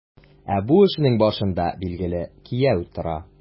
Ә бу эшнең башында, билгеле, кияү тора.